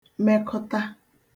mekụta